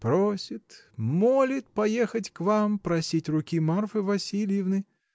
— Просит, молит поехать к вам, просить руки Марфы Васильевны.